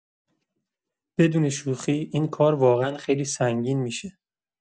بدون شوخی این کار واقعا خیلی سنگین می‌شه.